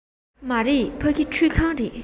མ རེད ཕ གི ཁྲུད ཁང རེད